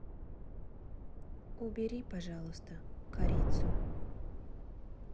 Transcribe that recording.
убери пожалуйста корицу